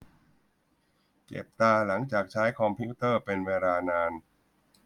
เจ็บตาหลังจากใช้คอมพิวเตอร์เป็นเวลานาน